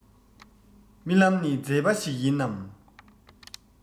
རྨི ལམ ནི མཛེས པ ཞིག ཡིན ནམ